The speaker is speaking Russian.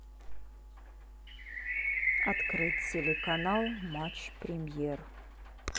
открыть телеканал матч премьер